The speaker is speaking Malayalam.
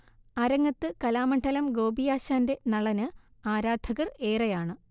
അരങ്ങത്ത് കലാമണ്ഡലം ഗോപിയാശാന്റെ നളന് ആരാധകർ ഏറെയാണ്